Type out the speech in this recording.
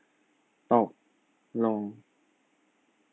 ตกลง